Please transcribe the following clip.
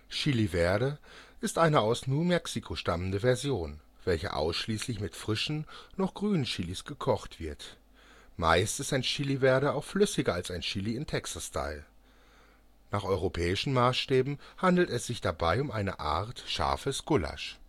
Chili Verde ist eine aus New Mexico stammende Version, welche ausschließlich mit frischen, noch grünen Chilis gekocht wird. Meist ist ein Chili Verde auch flüssiger als ein Chili im Texas Style. Nach europäischen Maßstäben handelt es sich dabei um eine Art scharfes Gulasch